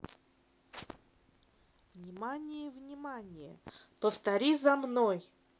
внимание внимание повтори за мной